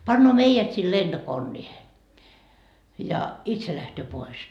panee meidät sinne lentokoneeseen ja itse lähtee pois